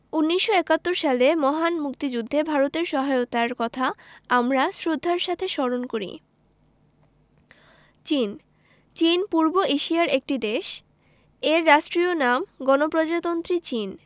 ১৯৭১ সালের মহান মুক্তিযুদ্ধে ভারতের সহায়তার কথা আমরা শ্রদ্ধার সাথে স্মরণ করি চীন চীন পূর্ব এশিয়ার একটি দেশ এর রাষ্ট্রীয় নাম গণপ্রজাতন্ত্রী চীন